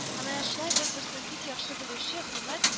Һәм әнә шулай берсен-берсе бик яхшы белүче, хөрмәт